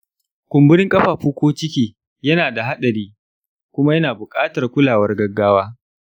kumburin ƙafafu ko ciki yana da haɗari kuma yana buƙatar kulawar gaggawa.